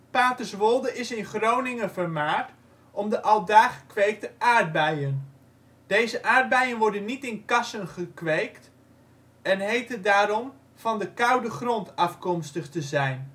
Paterswolde is in Groningen vermaard om de aldaar gekweekte aardbeien. Deze aardbeien worden niet in kassen geweekt en heten daarom " van de koude grond " afkomstig te zijn